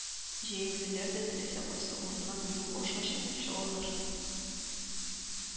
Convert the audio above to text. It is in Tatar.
Җәяүлеләр дә теләсә кайсы урыннан юл аша чабып чыгалар